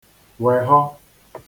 wèhọ